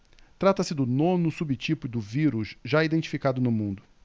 trata-se do nono subtipo do vírus já identificado no mundo